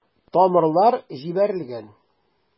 Тамырлар җибәрелгән.